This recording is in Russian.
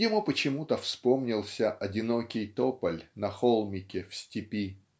ему почему-то вспомнился одинокий тополь на холмике в степи.